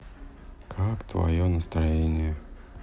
как твое настроение